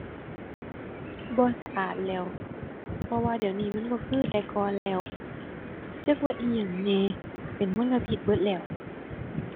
บ่สะอาดแหล้ว เพราะว่าเดี๋ยวนี้มันบ่คือแต่ก่อนแล้ว จักว่าอิหยังแหน่ เป็นมลพิษเบิดแล้ว